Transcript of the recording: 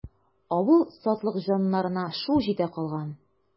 Авыл сатлыкҗаннарына шул җитә калган.